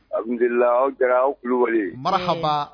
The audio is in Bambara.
Abuelila jara kulubali mara haba